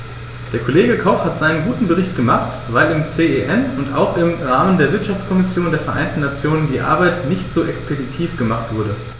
Der Kollege Koch hat seinen guten Bericht gemacht, weil im CEN und auch im Rahmen der Wirtschaftskommission der Vereinten Nationen die Arbeit nicht so expeditiv gemacht wurde.